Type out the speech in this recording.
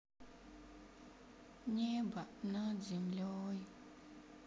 небо над землей